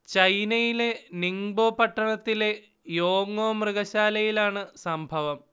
ചൈനയിലെ നിങ്ബോ പട്ടണത്തിലെ യോങോ മൃഗശാലയിലാണ് സംഭവം